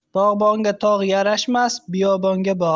bog'bonga tog' yarashmas biyobonga bog'